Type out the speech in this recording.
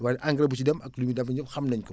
wala engrais bu ci dem ak lu ñu def ñëpp xam nañu ko